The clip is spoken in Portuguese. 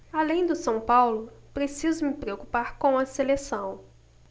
além do são paulo preciso me preocupar com a seleção